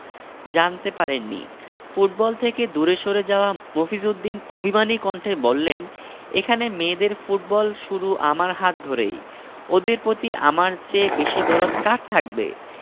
জানতে পারেননি ফুটবল থেকে দূরে সরে যাওয়া মফিজ উদ্দিন অভিমানী কণ্ঠে বললেন এখানে মেয়েদের ফুটবল শুরু আমার হাত ধরেই ওদের প্রতি আমার চেয়ে বেশি দরদ কার থাকবে